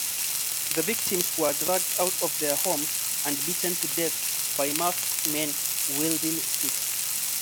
The victims were dragged out of their homes and beaten to death by masked men wielding sticks.